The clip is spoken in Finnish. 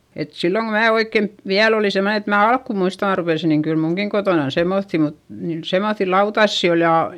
että silloin kun minä oikein vielä olin semmoinen että minä alkua muistan arvelisin niin kyllä minunkin kotonani semmoisia mutta niin semmoisia lautasia oli ja,